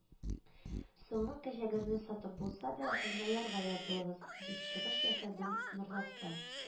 Соңгы кәҗәгезне сатып булса да, журналларга язылыгыз, дип чыгыш ясадым Норлатта